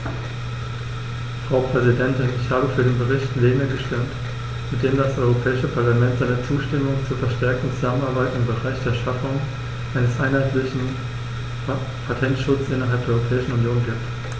Frau Präsidentin, ich habe für den Bericht Lehne gestimmt, mit dem das Europäische Parlament seine Zustimmung zur verstärkten Zusammenarbeit im Bereich der Schaffung eines einheitlichen Patentschutzes innerhalb der Europäischen Union gibt.